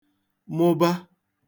mụba